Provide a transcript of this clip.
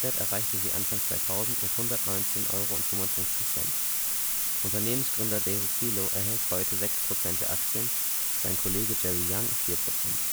erreichte sie Anfang 2000 mit 119,55 Euro. Unternehmensgründer David Filo hält heute sechs Prozent der Aktien, sein Kollege Jerry Yang vier Prozent